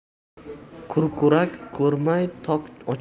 kurkurak ko'rmay tok ochma